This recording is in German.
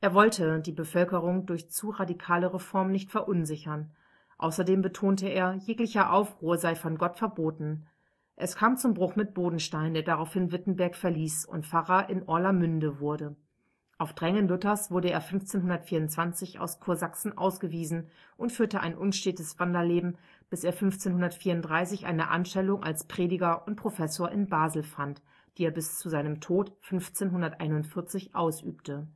wollte die Bevölkerung durch zu radikale Reformen nicht verunsichern. Außerdem betonte er, jeglicher Aufruhr sei von Gott verboten. Es kam zum Bruch mit Bodenstein, der daraufhin Wittenberg verließ und Pfarrer in Orlamünde wurde. Auf Drängen Luthers wurde er 1524 aus Kursachsen ausgewiesen und führte ein unstetes Wanderleben, bis er 1534 eine Anstellung als Prediger und Professor in Basel fand, die er bis zu seinem Tod 1541 ausübte